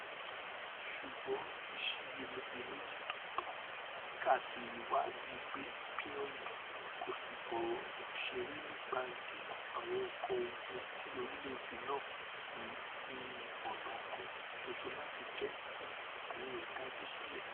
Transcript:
Ṣùgbọ́n ìsiyèméjì tótàn káàkiri wà wí pé Pyongyang kòfi ọ̀rọ̀ ṣeré nípa kíkọ àwọn nǹkan ogun tí orílẹ̀-èdè náà rí bí ọ̀nà kan ṣoṣo láti jẹ́kí ààbò rẹ̀ dájú sílẹ̀.